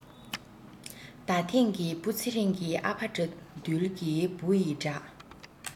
ད ཐེངས ཀྱི བུ ཚེ རིང གི ཨ ཕ དགྲ འདུལ གྱི བུ ཡི འདྲ